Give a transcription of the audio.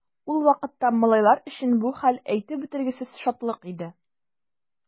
Ул вакытта малайлар өчен бу хәл әйтеп бетергесез шатлык иде.